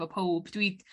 efo powb dwi d-